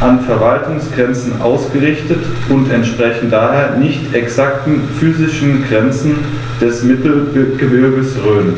an Verwaltungsgrenzen ausgerichtet und entsprechen daher nicht exakten physischen Grenzen des Mittelgebirges Rhön.